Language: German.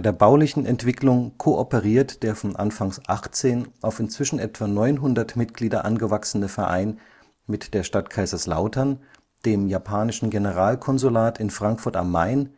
der baulichen Entwicklung kooperiert der von anfangs 18 auf inzwischen etwa 900 Mitglieder angewachsene Verein mit der Stadt Kaiserslautern, dem Japanischen Generalkonsulat in Frankfurt am Main,